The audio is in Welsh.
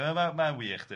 Ma'n ma'n ma'n wych, dydi?